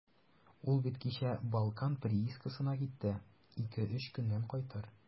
Ул бит кичә «Балкан» приискасына китте, ике-өч көннән кайтыр.